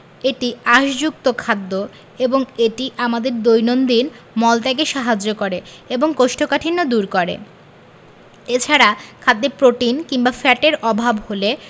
এটি আঁশযুক্ত খাদ্য এবং এটি আমাদের দৈনন্দিন মল ত্যাগে সাহায্য করে এবং কোষ্ঠকাঠিন্য দূর করে এছাড়া খাদ্যে প্রোটিন কিংবা ফ্যাটের অভাব হলে